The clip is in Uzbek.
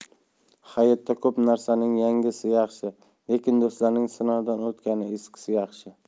hayotda ko'p narsaning yangisi yaxshi lekin do'stlarning sinovdan o'tgani eskisi yaxshi